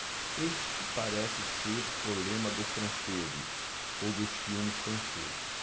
este parece ser o lema dos franceses ou dos filmes franceses